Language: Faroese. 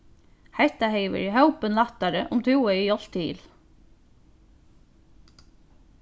hetta hevði verið hópin lættari um tú hevði hjálpt til